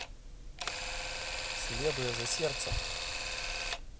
следуя за сердцем